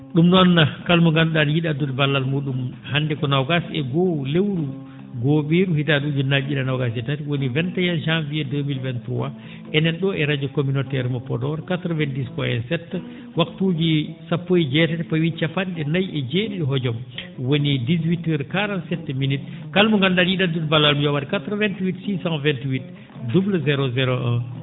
?um noon kala mo nganndu?aa ene yi?i addude ballal muu?um hannde ko noogaas e goo lewru goho?iru hitaande ujunnaaje ?i?i e noogaas e tati woni 21 janvier 2023 enen ?oo e radio communautaire mo Podor 90 PONT 7 waktuuji sappo e jeetati pawii cappan?e nayi e jee?i?i hojom woni 18 heure 47 minutes kala mo nganndu?aa no yi?i addude ballal mum yo wa? 88 628 00 01